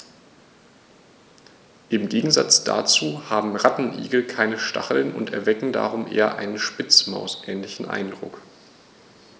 Im Gegensatz dazu haben Rattenigel keine Stacheln und erwecken darum einen eher Spitzmaus-ähnlichen Eindruck.